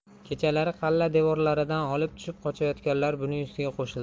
kechalari qala devorlaridan oshib tushib qochayotganlar buning ustiga qo'shildi